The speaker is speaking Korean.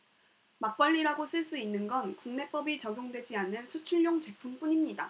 막걸리라고 쓸 수 있는 건 국내법이 적용되지 않는 수출용 제품뿐 입니다